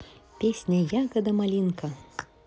песня ягода малинка